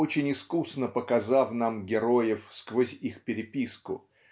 очень искусно показав нам героев сквозь их переписку